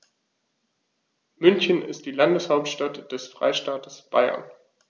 München ist die Landeshauptstadt des Freistaates Bayern.